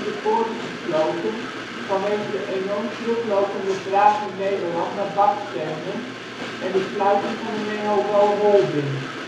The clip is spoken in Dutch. poorten gesloten vanwege de enorm teruglopende vraag in Nederland naar bakstenen en de sluiting van de NeHoBo-holding